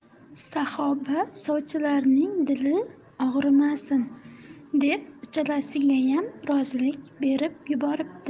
saxoba sovchilarning dili og'rimasin deb uchalasigayam rozilik berib yuboribdi